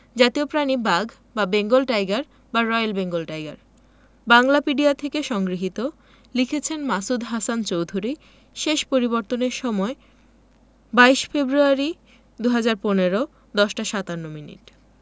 জাতীয় প্রাণীঃ বাঘ বা বেঙ্গল টাইগার বা রয়েল বেঙ্গল টাইগার বাংলাপিডিয়া থেকে সংগৃহীত লিখেছেন মাসুদ হাসান চৌধুরী শেষ পরিবর্তনের সময় ২২ ফেব্রুয়ারি ২০১৫ ১০ টা ৫৭ মিনিট